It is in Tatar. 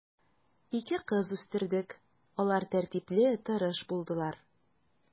Ике кыз үстердек, алар тәртипле, тырыш булдылар.